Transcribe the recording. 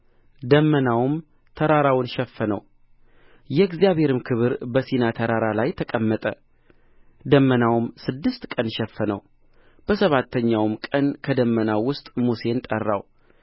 ደመናውም ተራራውን ሸፈነው የእግዚአብሔርም ክብር በሲና ተራራ ላይ ተቀመጠ ደመናውም ስድስት ቀን ሸፈነው በሰባተኛውም ቀን ከደመናው ውስጥ ሙሴን ጠራው